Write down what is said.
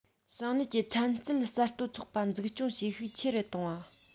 ཞིང ལས ཀྱི ཚན རྩལ གསར གཏོད ཚོགས པ འཛུགས སྐྱོང བྱེད ཤུགས ཆེ རུ གཏོང བ